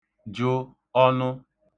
jụ ọnụ